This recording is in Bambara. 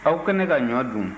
aw kɛnɛ ka ɲɔ dun